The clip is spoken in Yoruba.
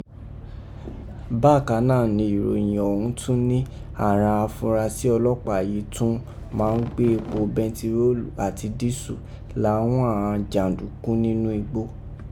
Bakan naa ni iroyin ọhún tun ni awon afurasi ọlọpaa yìí tún máa n gbe epo bentiroolu ati disu lọ fawọn janduku ninu igbo.